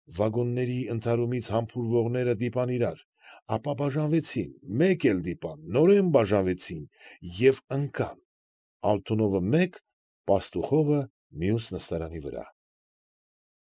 Վագոնների ընդհարումից համբուրվողները դիպան իրար, ապա բաժանվեցին, մեկ էլ դիպան, նորեն բաժանվեցին և ընկան՝ Ալթունովը մեկ, Պաստուխովը մյուս նստարանի վրա։